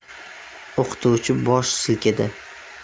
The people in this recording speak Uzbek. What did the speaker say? o'qituvchi bosh silkidi